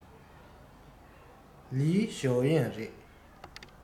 ལིའི ཞའོ ཡན རེད